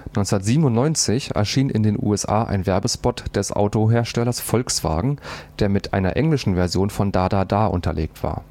1997 erschien in den USA ein Werbespot des Autoherstellers Volkswagen, der mit einer englischen Version von „ Da da da “unterlegt war